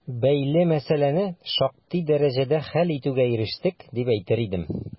Бәйле мәсьәләне шактый дәрәҗәдә хәл итүгә ирештек, дип әйтер идем.